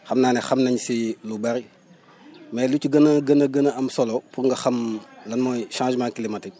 xam naa ne xam nañ si lu bëri mais lu ci gën a gën a gën a am solo pour nga xam lan mooy changement climatique